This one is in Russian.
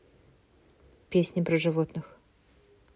песни про животных